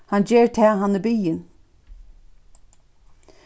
hann ger tað hann er biðin